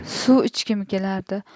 suv ichgim kelardi